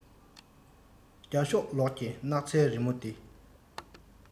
རྒྱ ཤོག ལོགས ཀྱི སྣག ཚའི རི མོ འདི